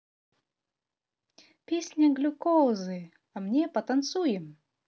песня глюкозы а мне потанцуем